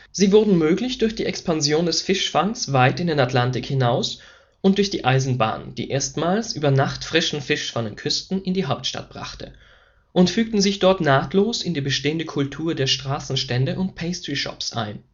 Sie wurden möglich durch die Expansion des Fischfangs weit in den Atlantik hinaus und durch die Eisenbahn, die erstmals über Nacht frischen Fisch von den Küsten in die Hauptstadt brachte, und fügten sich dort nahtlos in die bestehende Kultur der Straßenstände und pastry shops ein